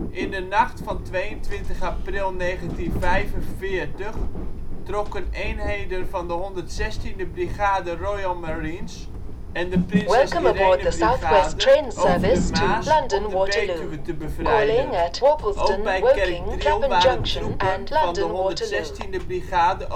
In de nacht van 22 april 1945 trokken eenheden van de 116de Brigade Royal Marines en de Prinses Irene Brigade over de Maas om de Betuwe te bevrijden. Ook bij Kerkdriel waren troepen van de 116de Brigade overgestoken